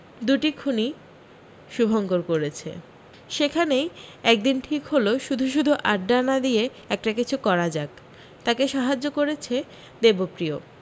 দুটি খুনি শুভঙ্কর করেছে সেখানেই এক দিন ঠিক হল শুধু শুধু আড্ডা না দিয়ে একটা কিছু করা যাক তাকে সাহায্য করেছে দেবপ্রিয়